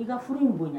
I ka furu in bonya